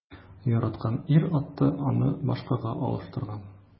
Яраткан ир-аты аны башкага алыштырган.